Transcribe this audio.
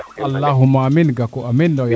alkhouma amiin Gakou amiin Gakou